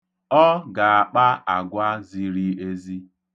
Ọ ga-akpa agwa ziri ezi.